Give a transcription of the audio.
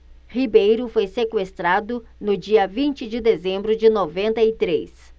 ribeiro foi sequestrado no dia vinte de dezembro de noventa e três